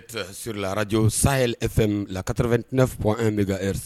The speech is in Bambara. Sur la arajo'y la kata2 fɔ an bɛ ka ris